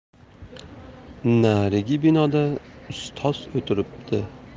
narigi binoda ustoz o'tiribdi